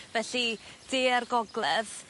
Felly de a'r gogledd.